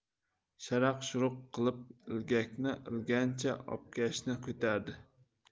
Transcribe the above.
sharaq shuruq qilib ilgakni ilgancha obkashni ko'tardi